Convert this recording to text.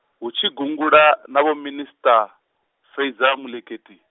hu tshi gungula, na Vhominista, Fraser-Moleketi.